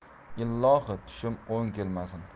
ilohi tushim o'ng kelmasin